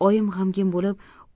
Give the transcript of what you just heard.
oyim g'amgin bo'lib